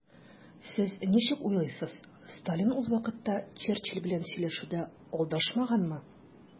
Сез ничек уйлыйсыз, Сталин ул вакытта Черчилль белән сөйләшүдә алдашмаганмы?